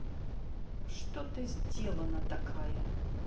что ты сделана такая